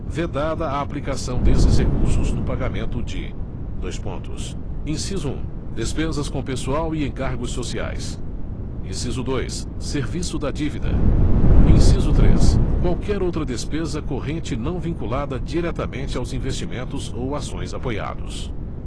vedada a aplicação desses recursos no pagamento de dois pontos inciso um despesas com pessoal e encargos sociais inciso dois serviço da dívida inciso três qualquer outra despesa corrente não vinculada diretamente aos investimentos ou ações apoiados